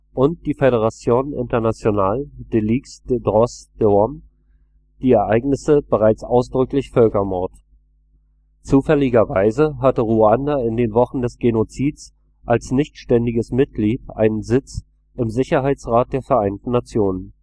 und die Fédération Internationale des Ligues des Droits de l'Homme die Ereignisse bereits ausdrücklich Völkermord. Sitzungssaal des Sicherheitsrates im UN-Hauptquartier in New York Zufälligerweise hatte Ruanda in den Wochen des Genozids als nichtständiges Mitglied einen Sitz im Sicherheitsrat der Vereinten Nationen